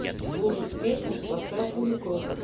слушать песню спасательный круг